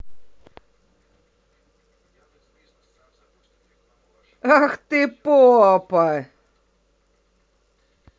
ах ты попа